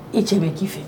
I cɛ bɛ k'i fɛ